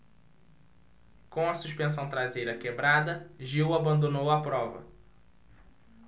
com a suspensão traseira quebrada gil abandonou a prova